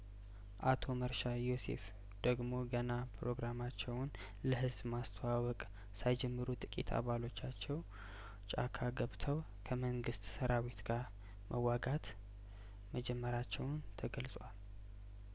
አቶ መርሻ ዮሴፍ ደግሞ ገና ፕሮግራማቸውን ለህዝብ ማስተዋወቅ ሳይጀምሩ ጥቂት አባሎቻቸው ጫካ ገብተው ከመንግስት ሰራዊት ጋር መዋጋት መጀመራቸውን ተገልጿል